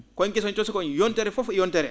kooñ gesoñ tosokoñ yontere fof e yontere